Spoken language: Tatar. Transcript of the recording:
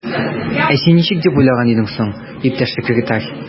Ә син ничек дип уйлаган идең соң, иптәш секретарь?